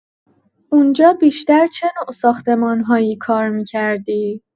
اونجا بیشتر چه نوع ساختمان‌هایی کار می‌کردی؟